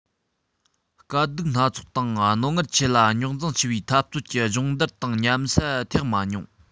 དཀའ སྡུག སྣ ཚོགས དང རྣོ ངར ཆེ ལ རྙོག འཛིང ཚ བའི འཐབ རྩོད ཀྱི སྦྱོང བརྡར དང ཉམས སད ཐེག མ མྱོང